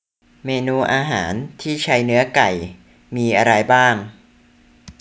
เมนูอาหารที่ใช้เนื้อไก่มีอะไรบ้าง